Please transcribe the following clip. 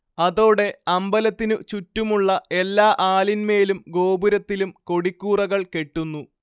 അതോടെ അമ്പലത്തിനു ചുറ്റുമുള്ള എല്ലാ ആലിന്മേലും ഗോപുരത്തിലും കൊടിക്കൂറകൾ കെട്ടുന്നു